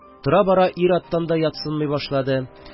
Тора-бара ир-аттан да ятсынмый башлады